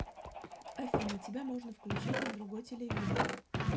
афина тебя можно включить на другой телевизор